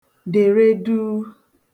dère duu